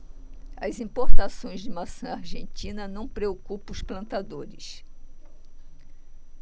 as importações de maçã argentina não preocupam os plantadores